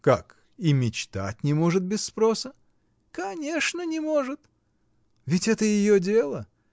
— Как, и мечтать не может без спроса? — Конечно, не может. — Ведь это ее дело.